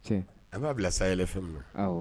An b'a bila saya yɛrɛ fɛn min